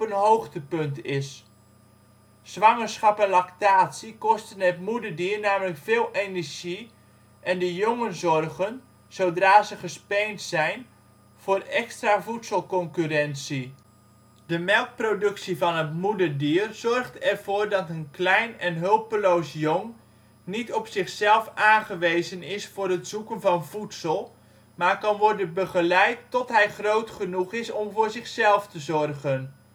hoogtepunt is. Zwangerschap en lactatie kosten het moederdier namelijk veel energie, en de jongen zorgen, zodra ze gespeend zijn, voor extra voedselconcurrentie. De melkproductie van het moederdier zorgt ervoor dat een klein en hulpeloos jong niet op zichzelf aangewezen is voor het zoeken van voedsel, maar kan worden begeleid tot hij groot genoeg is om voor zichzelf te zorgen